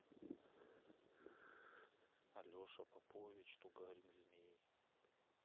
алеша попович тугарин змей